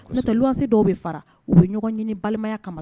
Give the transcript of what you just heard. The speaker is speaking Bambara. Kɔsɛbɛ ɲɔntɛ luwanse dɔw bɛ fara u bɛ ɲɔgɔn ɲini balimaya kama